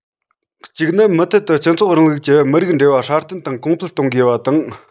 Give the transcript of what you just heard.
གཅིག ནི མུ མཐུད དུ སྤྱི ཚོགས རིང ལུགས ཀྱི མི རིགས འབྲེལ བ སྲ བརྟན དང གོང འཕེལ གཏོང དགོས པ དང